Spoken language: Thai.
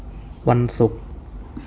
วันศุกร์